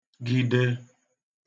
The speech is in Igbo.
-gide